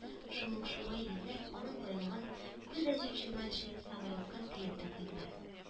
Шул ук шома егетләр аның байлыгын күз ачып йомганчы самолетка төяп тә куйдылар